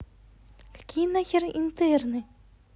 какие нахер интерны